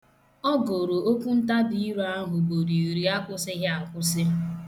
Ọ gụrụ okwuntabire ahụ ugboro iri akwụsịghị akwụsị.